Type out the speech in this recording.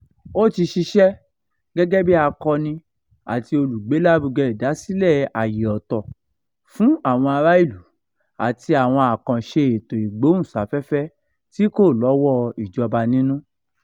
Ó ti ṣiṣẹ́ gẹ́gẹ́ bí akọ́ni àti olùgbé-lárúgẹ ìdásílẹ̀ àyè ọ̀tọ̀ fún àwọn ará ìlú àti àwọn àkànṣe eto ìgbóhùn sáfẹ́fẹ́ tí kò lọ́wọ́ ìjọ̀ba nínú.